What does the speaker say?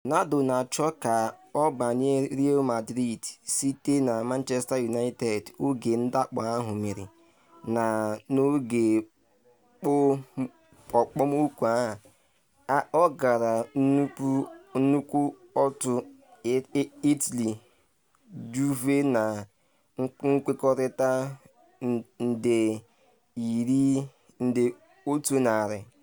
Ronaldo na-achọ ka ọ banye Real Madrid site na Manchester United oge ndakpo ahụ mere, na n’oge okpomọkụ a, ọ gara nnukwu otu Italy, Juve na nkwekọrịta nde €100.